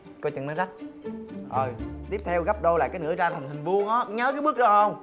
coi chừng nó rách tiếp theo gấp đôi lại ra làm hình vuông á nhớ cái bước đó không